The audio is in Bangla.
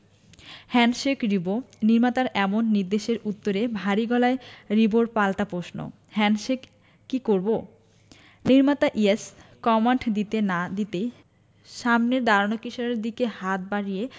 হ্যান্ডশেক রিবো নির্মাতার এমন নির্দেশের উত্তরে ভারী গলায় রিবোর পাল্টা প্রশ্ন হ্যান্ডশেক কি করবো নির্মাতা ইয়েস কমান্ড দিতে না দিতেই সামনে দাঁড়ানো কিশোরের দিকে হাত বাড়িয়ে